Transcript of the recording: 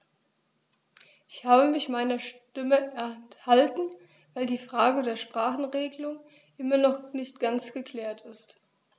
Ich habe mich meiner Stimme enthalten, weil die Frage der Sprachenregelung immer noch nicht ganz geklärt ist.